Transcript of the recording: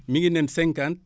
mi ngi nen cinquante